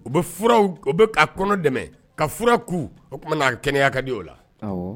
U bɛ fura kɔnɔ dɛmɛ ka fura kun oumana kɛnɛyayaka di o la